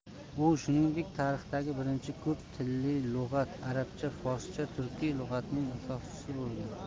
u shuningdek tarixdagi birinchi ko'p tilli lug'at arabcha forscha turkiy lug'atning asoschisi bo'lgan